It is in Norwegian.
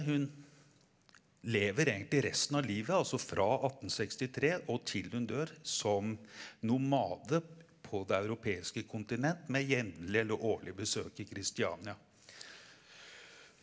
hun lever egentlig resten av livet altså fra 1863 og til hun dør som nomade på det europeiske kontinent med jevnlige eller årlige besøk i Christiania.